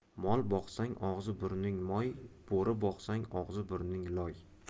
mol boqsang og'zi burning moy bo'ri boqsang og'zi burning loy